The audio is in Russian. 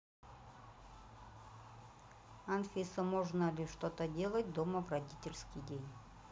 анфиса можно ли что то делать дома в родительский день